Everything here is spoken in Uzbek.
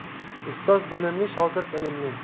ustoz bilimli shogird ilmli